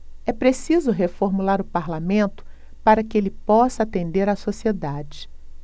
é preciso reformular o parlamento para que ele possa atender a sociedade